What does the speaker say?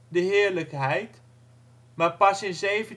de heerlijkheid, maar pas in 1795